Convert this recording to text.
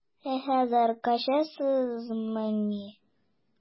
Ә хәзер качасызмыни?